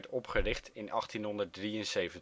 opgericht in 1873